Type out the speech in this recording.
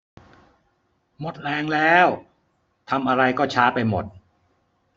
หมดแรงแล้วทำอะไรก็ช้าไปหมด